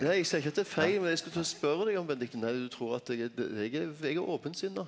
nei eg seier ikkje at det er feil, men eg skulle til å spørje deg om Benedicte nei du trur at eg er eg er eg er opensinna.